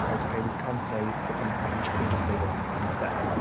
"Right, ok, we can't say dick and vag" can you just say this instead?"